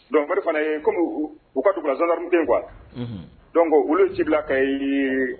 Don fana ye kɔmi u kakurasolamu den kuwa don ko olu sigirala ka yen